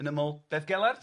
Yn ymwl, Beddgelert.